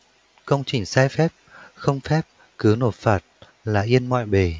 công trình sai phép không phép cứ nộp phạt là yên mọi bề